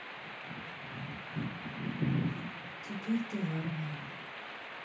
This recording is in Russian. теперь ты в армии